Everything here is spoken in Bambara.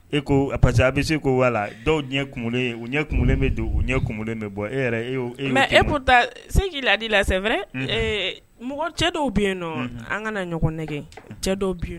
E ko parce que a bɛ se ko wala dɔw ɲɛ kunkolo u ɲɛ kunkololen bɛ don u ɲɛ kunkololen bɛ bɔ e yɛrɛ mɛ e ko ta se k'i laadi lasefɛ mɔgɔ cɛ dɔw bɛ yen an kana ɲɔgɔnɛge cɛ dɔw bɛ yen